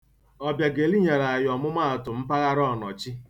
Ọbịageli nyere anyị ọmụmaatụ mpagharaọnọchi.